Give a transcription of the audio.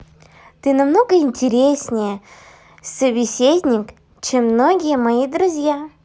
ты намного интереснее собеседник чем многие мои друзья